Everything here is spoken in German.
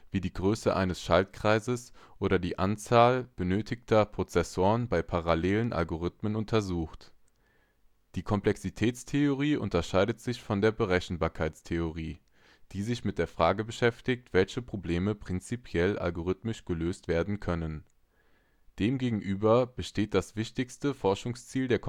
wie die Größe eines Schaltkreises oder die Anzahl benötigter Prozessoren bei parallelen Algorithmen untersucht. Die Komplexitätstheorie unterscheidet sich von der Berechenbarkeitstheorie, die sich mit der Frage beschäftigt, welche Probleme prinzipiell algorithmisch gelöst werden können. Demgegenüber besteht das wichtigste Forschungsziel der